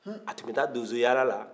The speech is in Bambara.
a tun bɛ taa donso yaala la